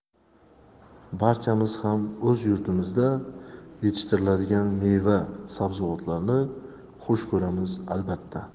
barchamiz ham o'z yurtimizda yetishtiriladigan meva sabzavotlarni xush ko'ramiz albatta